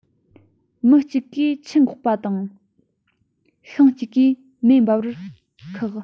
མི གཅིག གིས ཁྱི འགོག རྒྱུ དང ཤིང གཅིག གིས མེ འབར རྒྱུ ཁག